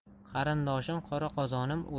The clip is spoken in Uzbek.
qarindoshim qora qozonim